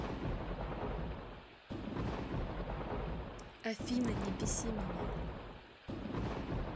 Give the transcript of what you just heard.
афина не беси меня